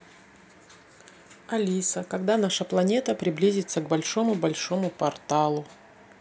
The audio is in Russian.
алиса когда наша планета приблизится к большому большому порталу